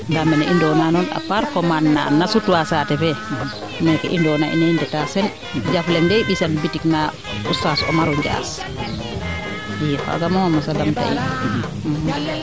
ndaa mene i ndoona na ndoon a part commande na na sutwaa saate fee meeke i ndoona ine ndeta sen jaf leŋ de i mbisan boutique naa Oustaz Omar o NDias i o xaaga mooma mosa damta in